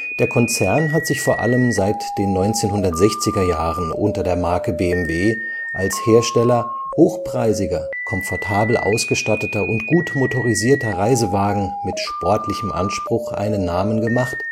Der Konzern hat sich vor allem seit den 1960er Jahren unter der Marke BMW als Hersteller hochpreisiger, komfortabel ausgestatteter und gut motorisierter Reisewagen mit sportlichem Anspruch einen Namen gemacht